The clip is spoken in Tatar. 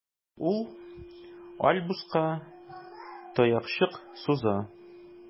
Ул Альбуска таякчык суза.